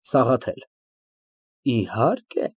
ՍԱՂԱԹԵԼ ֊ Իհարկե։